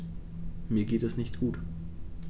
Mir geht es nicht gut.